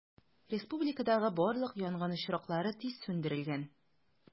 Республикадагы барлык янгын очраклары тиз сүндерелгән.